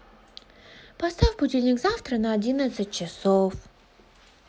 поставь будильник завтра на одиннадцать часов